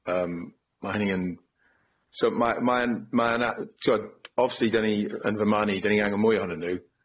Yym ma' hynny yn... So ma' ma' yn ma' 'na-... T'od obviously 'dan ni yn fy marn i, 'dan ni angen mwy ohonyn nw.